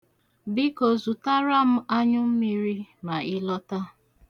Biko, zụtara m anyụmmiri ma ị lọta.